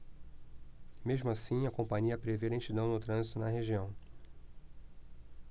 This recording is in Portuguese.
mesmo assim a companhia prevê lentidão no trânsito na região